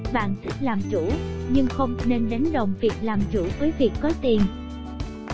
bạn thích làm chủ nhưng không nên đánh đồng việc làm chủ với việc có tiền